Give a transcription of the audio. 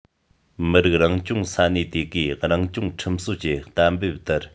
མི རིགས རང སྐྱོང ས གནས དེ གའི རང སྐྱོང ཁྲིམས སྲོལ གྱི གཏན འབེབས ལྟར